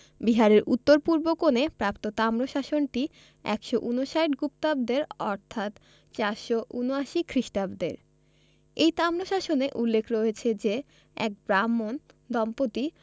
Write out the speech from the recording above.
বিহারের উত্তর পূর্ব কোণে প্রাপ্ত তাম্রশাসনটি ১৫৯ গুপ্তাব্দের অর্থাৎ ৪৭৯ খ্রিস্টাব্দের এই তাম্রশাসনে উল্লেখ রয়েছে যে এক ব্রাহ্মণ দম্পতি